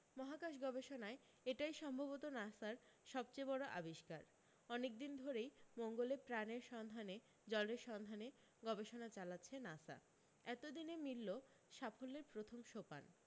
মহাকাশ গবেষণায় এটাই সম্ভবত নাসার সব ছেয়ে বড় আবিষ্কার অনেকদিন ধরেই মঙ্গলে প্রাণের সন্ধানে জলের সন্ধানে গবেষণা চালাচ্ছে নাসা এতদিনে মিলল সাফল্যের প্রথম সোপান